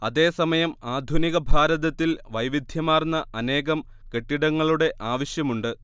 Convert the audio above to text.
അതേസമയം ആധുനിക ഭാരതത്തിൽ വൈവിധ്യമാർന്ന അനേകം കെട്ടിടങ്ങളുടെ ആവശ്യമുണ്ട്